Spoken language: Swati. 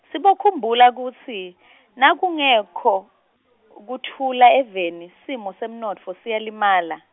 sibokhumbula kutsi , nakungekho, kutfula eveni, simo semnontfo siyalimala.